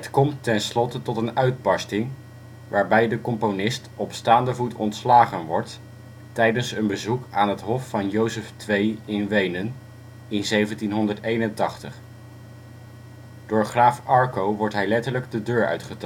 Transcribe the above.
komt tenslotte tot een uitbarsting waarbij de componist op staande voet ontslagen wordt tijdens een bezoek aan het hof van Jozef II in Wenen (1781). Door graaf Arco wordt hij letterlijk de deur uit